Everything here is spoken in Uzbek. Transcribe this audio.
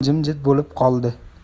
xirmon jimjit bo'lib qoldi